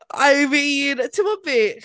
I mean timod be?